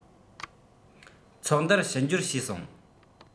ཚོགས འདུར ཕྱི འབྱོར བྱས སོང